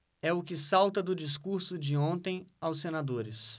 é o que salta do discurso de ontem aos senadores